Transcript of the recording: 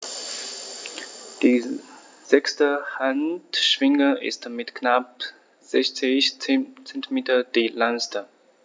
Die sechste Handschwinge ist mit knapp 60 cm die längste.